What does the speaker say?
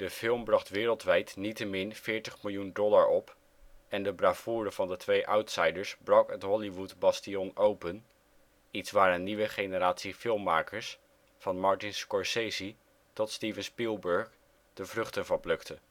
film bracht wereldwijd niettemin veertig miljoen dollar op en de bravoure van de twee outsiders brak het Hollywoodbastion open, iets waar een nieuwe generatie filmmakers van Martin Scorsese tot Steven Spielberg de vruchten van plukte